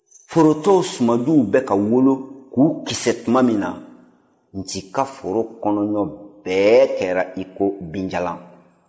foro tɔw sumanjuw bɛ ka wolo k'u kisɛ tuma min na nci ka foro kɔnɔ ɲɔ bɛɛ kɛra iko bin jalan